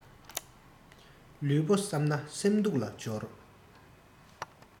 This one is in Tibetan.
ལུས པོ བསམས ན སེམས སྡུག ལ སྦྱོར